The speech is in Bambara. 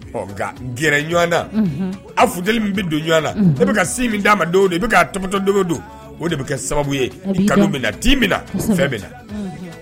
Ɔ nka gɛrɛ a futli min bɛ don ɲɔgɔn sin min d'a ma don i bɛtɔ don don o de bɛ kɛ sababu ye kanu min t min fɛn min na